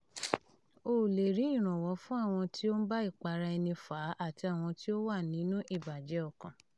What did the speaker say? Ó lè rí ìrànwọ́ fún àwọn tí ó ń bá ìparaẹni fà á àti àwọn tí ó wà nínú ìbàjẹ́ ọkàn.